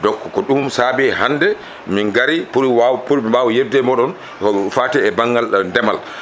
donc ko ɗum ssabi hande min gari pour waw pour min mbawa yebdude moɗon ko fati e banggal ndeemal